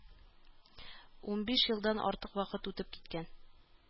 Унбиш елдан артык вакыт үтеп киткән